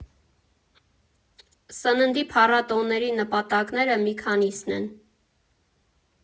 Սննդի փառատոների նպատակները մի քանիսն են։